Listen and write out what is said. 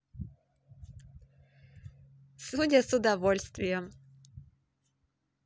судя с удовольствием